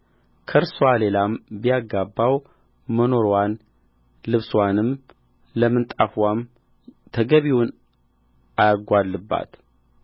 ከእርስዋ ሌላም ቢያጋባው መኖዋን ልብስዋንም ለምንጣፍዋም ተገቢውን አያጕድልባት